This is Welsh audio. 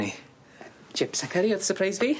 Yy chips and curry odd sypreis fi.